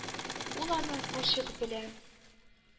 Ул аны ачык белә.